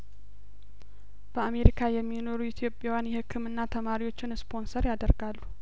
በአሜሪካ የሚኖሩ ኢትዮጵያውያን የህክምና ተማሪዎችን ስፖንሰር ያደርጋሉ